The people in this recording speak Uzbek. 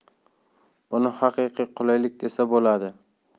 buni haqiqiy qulaylik desa bo'ladi